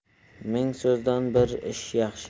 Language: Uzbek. ming so'zdan bir ish yaxshi